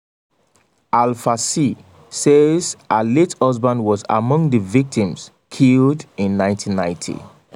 Alpha Sy says her late husband was among the victims killed in 1990.